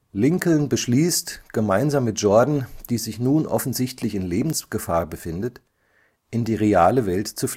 Lincoln beschließt, gemeinsam mit Jordan, die sich nun offensichtlich in Lebensgefahr befindet, in die reale Welt zu